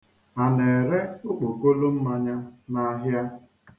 A na-ere okpokolo mmanya n'ahịa?